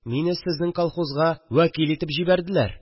Мине сезнең колхозга вәкил итеп җибәрделәр